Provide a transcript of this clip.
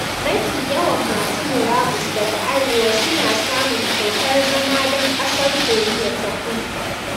Mafi yawan masu murabus daga Arewa su na samun kyautar zama dan kasar Koriya ta kudu.